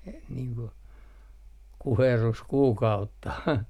- niin kuin kuherruskuukautta